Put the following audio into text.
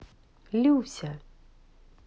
люся